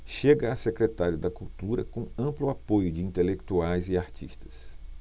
chega a secretário da cultura com amplo apoio de intelectuais e artistas